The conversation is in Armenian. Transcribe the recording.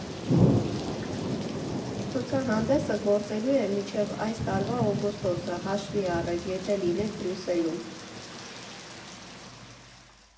Ցուցահանդեսը գործելու է մինչև այս տարվա օգոստոսը՝ հաշվի առեք, եթե լինեք Բրյուսելում։